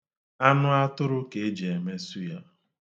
Anụatụrụ ka e ji eme suya